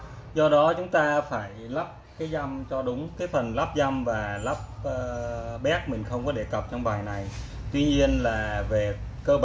do đó chúng ta phải lắp dăm làm sao cho đúng cách phần lắp dăm và bec tôi không đề cập trong phạm vi bài này tuy nhiên về cơ bản